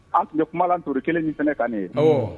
An tile kumalanto kelen ni fana ka ye